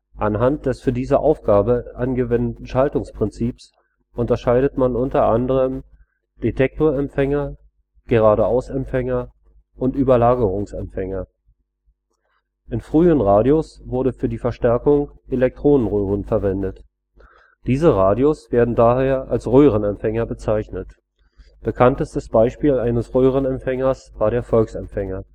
Anhand des für diese Aufgabe angewendeten Schaltungsprinzips unterscheidet man unter anderem Detektorempfänger, Geradeausempfänger und Überlagerungsempfänger. In frühen Radios wurden für die Verstärkung Elektronenröhren verwendet. Diese Radios werden daher als Röhrenempfänger bezeichnet. Bekanntestes Beispiel eines Röhrenempfängers war der Volksempfänger